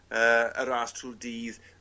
yy y ras trw'r dydd.